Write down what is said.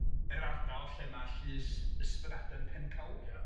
yr ardal lle ma' llys Ysbyddaden Pencawr. Ia.